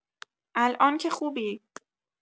الان که خوبی؟